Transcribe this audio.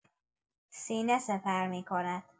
سینه سپر می‌کند.